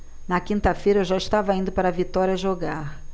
na quinta-feira eu já estava indo para vitória jogar